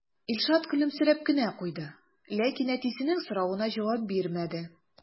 Илшат көлемсерәп кенә куйды, ләкин әтисенең соравына җавап бирмәде.